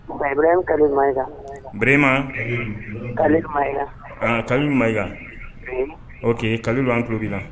Bma kalo ma an kalo ma o kalolu anan tulobi